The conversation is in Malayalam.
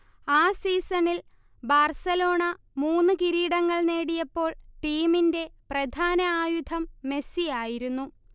ആ സീസണിൽ ബാർസലോണ മൂന്ന് കിരീടങ്ങൾ നേടിയപ്പോൾ ടീമിന്റെ പ്രധാന ആയുധം മെസ്സി ആയിരുന്നു